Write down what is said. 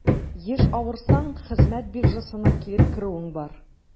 Еш авырсаң, хезмәт биржасына килеп керүең бар.